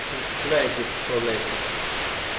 uchun qulay deb hisoblaysiz